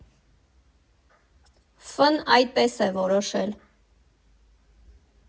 Ֆ֊ն այդպես է որոշել…